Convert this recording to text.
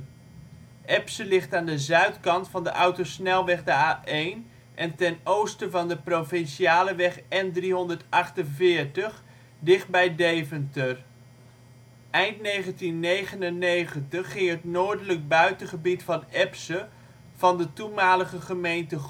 Epse ligt aan de zuidkant van de autosnelweg de A1, en ten oosten van de provinciale weg N348, dichtbij Deventer. Eind 1999 ging het noordelijk buitengebied van Epse van de toenmalige gemeente